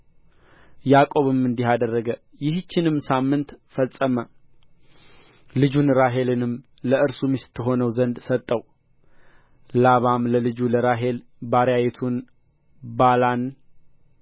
ያዕቆብም እንዲህ አደረገ ይህችንም ሳምንት ፈጸመ ልጁን ራሔልንም ለእርሱ ሚስት ትሆን ዘንድ ሰጠው ላባም ለልጁ ለራሔል ባርያይቱን ባላን